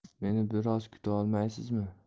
meni biroz kutaolmaysizmi